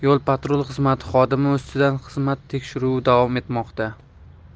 yo patrul xizmati xodimi ustidan xizmat tekshiruvi davom etmoqda